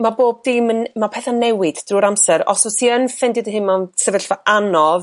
ma' bob dim... ma' petha'n newid drwy'r amser os wti yn ffeindio dy hun mewn sefyllfa anodd